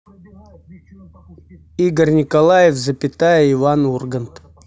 игорь николаев запятая иван ургант